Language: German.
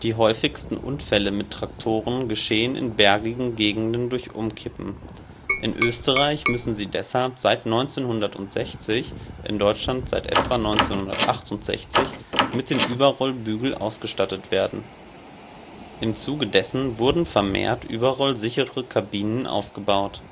häufigsten Unfälle mit Traktoren geschehen in bergigen Gegenden durch Umkippen. In Österreich müssen sie deshalb seit 1960, in Deutschland seit etwa 1968, mit einem Überrollbügel ausgestattet werden. Im Zuge dessen wurden vermehrt überrollsichere Kabinen aufgebaut